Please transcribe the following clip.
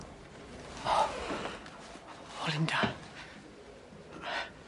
O! O Linda!